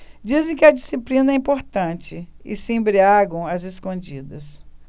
dizem que a disciplina é importante e se embriagam às escondidas